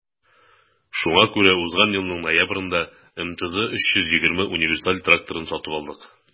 Шуңа күрә узган елның ноябрендә МТЗ 320 универсаль тракторын сатып алдык.